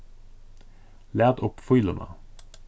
lat upp fíluna